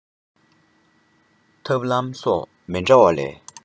ཐབས ལམ སོགས མི འདྲ བ ལས